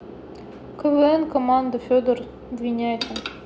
квн команда федор двинятин